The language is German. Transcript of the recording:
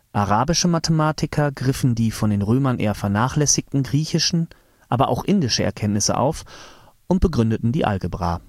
Arabische Mathematiker griffen die von den Römern eher vernachlässigten griechischen, aber auch indische Erkenntnisse auf und begründeten die Algebra